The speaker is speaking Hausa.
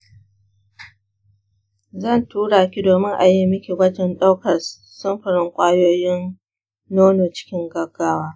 zan tura ki domin a yi miki gwajin ɗaukar samfurin ƙwayoyin nono cikin gaggawa.